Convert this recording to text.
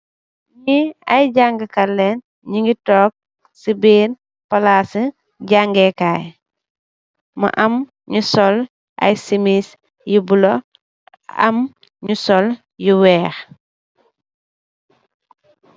Nyii aye jaga kat lang nougui tok cii birr palasci jayekaye am nyou sol aye simis you bulla am nyou sol you weck